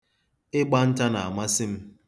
Ịgba nta na-amasị m.